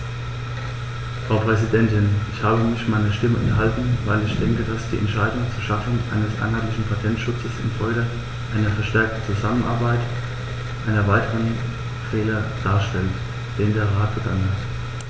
Frau Präsidentin, ich habe mich meiner Stimme enthalten, weil ich denke, dass die Entscheidung zur Schaffung eines einheitlichen Patentschutzes in Folge einer verstärkten Zusammenarbeit einen weiteren Fehler darstellt, den der Rat begangen hat.